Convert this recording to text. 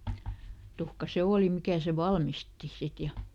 tuhka se oli mikä sen valmisti sitten ja